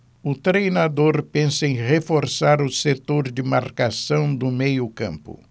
o treinador pensa em reforçar o setor de marcação do meio campo